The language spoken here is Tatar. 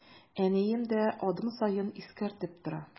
Әнием дә адым саен искәртеп тора.